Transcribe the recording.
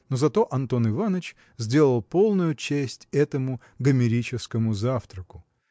но зато Антон Иваныч сделал полную честь этому гомерическому завтраку.